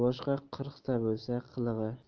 boshqa qirqta bo'lsa qilig'i